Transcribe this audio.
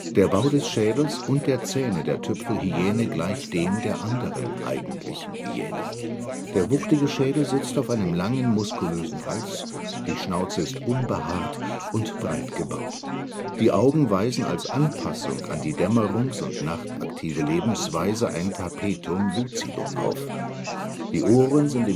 Der Bau des Schädels und der Zähne der Tüpfelhyäne gleicht dem der anderen Eigentlichen Hyänen. Der wuchtige Schädel sitzt auf einem langen, muskulösen Hals, die Schnauze ist unbehaart und breit gebaut. Die Augen weisen als Anpassung an die dämmerungs - und nachtaktive Lebensweise ein Tapetum lucidum auf, die Ohren sind